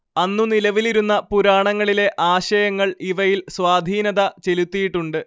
അന്നു നിലവിലിരുന്ന പുരാണങ്ങളിലെ ആശയങ്ങൾ ഇവയിൽ സ്വാധീനത ചെലുത്തിയിട്ടുണ്ട്